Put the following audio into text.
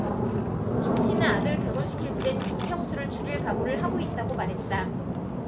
김씨는 아들 결혼시킬 땐 집 평수를 줄일 각오를 하고 있다고 말했다